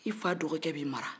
i fa dɔgɔkɛ b'i mara